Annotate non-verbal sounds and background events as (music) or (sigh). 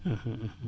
(hesitation) (hesitation)